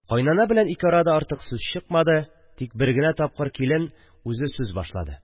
Кайнана белән ике арада артык сүз чыкмады, тик бер генә тапкыр килен үзе сүз башлады